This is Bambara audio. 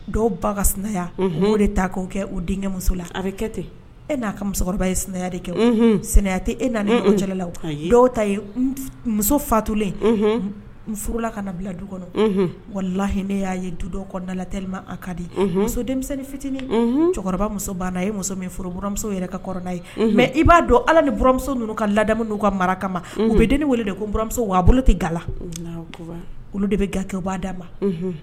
Dɔw ba ka sɛnɛ o de ta' kɛ denkɛ muso la a bɛ kɛ e n'a ka musokɔrɔba de kɛ sɛnɛ kuyate e nana cɛlala dɔw ta ye muso fatulen n furula ka bila du kɔnɔ wa lah ne y'a ye duda latɛ ma a kadi muso denmisɛnninnin fitinin cɛkɔrɔba muso banna a ye muso furu bmuso yɛrɛ ka kɔrɔna ye mɛ i b'a dɔn ala ni buramuso ka lada ka mara u bɛ den weele de kouramuso wa a bolo tɛ ga olu de bɛ gakebada ma